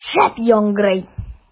Шәп яңгырый!